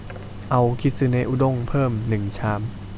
เอาคิสึเนะอุด้งเพิ่มหนึ่งชาม